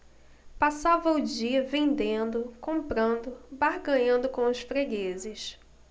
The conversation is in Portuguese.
passava o dia vendendo comprando barganhando com os fregueses